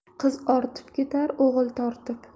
qiz ortib ketar o'g'il tortib